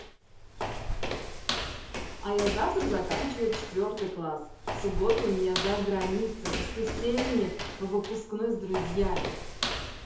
а я завтра заканчиваю четвертый класс в субботу у меня заграница воскресенье выпускной с друзьями